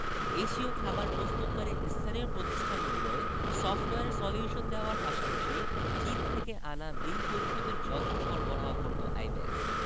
এশীয় খাবার প্রস্তুতকারী স্থানীয় প্রতিষ্ঠানগুলোয় সফটওয়্যার সলিউশন দেওয়ার পাশাপাশি চীন থেকে আনা বিল পরিশোধের যন্ত্র সরবরাহ করত আইব্যাকস